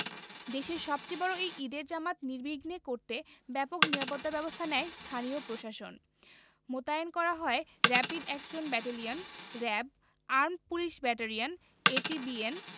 দেশের সবচেয়ে বড় এই ঈদের জামাত নির্বিঘ্ন করতে ব্যাপক নিরাপত্তাব্যবস্থা নেয় স্থানীয় প্রশাসন মোতায়েন করা হয় rapid action battalion RAB armed police battalion APBN